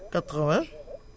80